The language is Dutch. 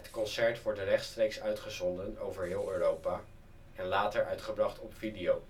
concert wordt rechtstreeks uitgezonden over heel Europa en later uitgebracht op video